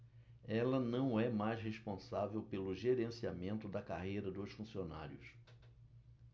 ela não é mais responsável pelo gerenciamento da carreira dos funcionários